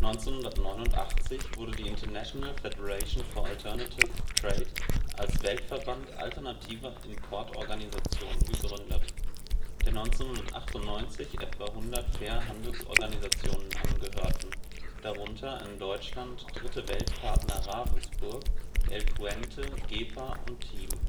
1989 wurde die International Federation for Alternative Trade (IFAT) als Weltverband alternativer Importorganisationen gegründet, der 1998 etwa hundert Fair-Handelorganisationen angehörten, darunter in Deutschland Dritte-Welt Partner Ravensburg, El Puente, gepa und TEAM.